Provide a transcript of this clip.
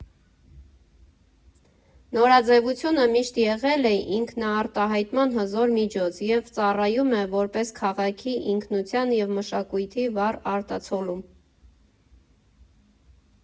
Նորաձևությունը միշտ եղել է ինքնարտահայտման հզոր միջոց և ծառայում է որպես քաղաքի ինքնության և մշակույթի վառ արտացոլում։